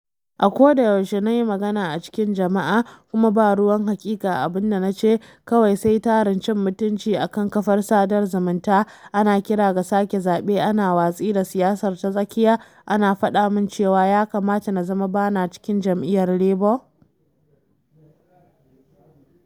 A kodayaushe na yi magana a cikin jama’a - kuma ba ruwan haƙiƙa abin da na ce - kawai sai tarun cin mutunci a kan kafar sadar zumunta ana kira ga sake zaɓe, ana watsi da siyasar ta tsakiya, ana faɗa mun cewa ya kamata na zama ba na cikin jam’iyyar Labour.